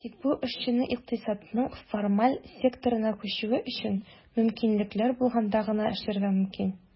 Тик бу эшченең икътисадның формаль секторына күчүе өчен мөмкинлекләр булганда гына эшләргә мөмкин.